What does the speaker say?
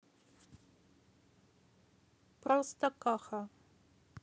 просто каха